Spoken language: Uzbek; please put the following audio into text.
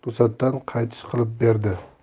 to'satdan qaytish qilib berdi